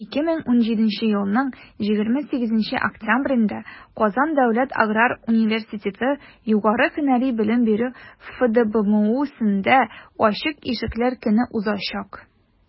2017 елның 28 октябрендә «казан дәүләт аграр университеты» югары һөнәри белем бирү фдбмусендә ачык ишекләр көне узачак.